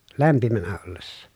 lämpimänä ollessa